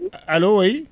allo ouais